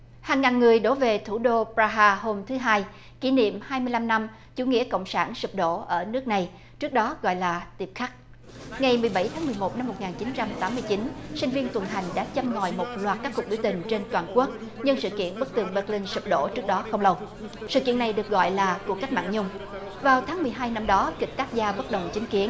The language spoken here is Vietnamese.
hàng ngàn người đổ về thủ đô bờ ra ha hôm thứ hai kỷ niệm hai mươi lăm năm chủ nghĩa cộng sản sụp đổ ở nước này trước đó gọi là tiệp khắc ngày mười bảy tháng mười một năm một ngàn chín trăm tám mươi chín sinh viên tuần hành đã châm ngòi một loạt các cuộc biểu tình trên toàn quốc nhưng sự kiện bức tường béc lin sụp đổ trước đó không lâu sự kiện này được gọi là cuộc cách mạng nhung vào tháng mười hai năm đó kịch tác gia bất đồng chứng kiến